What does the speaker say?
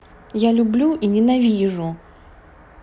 я люблю и ненавижу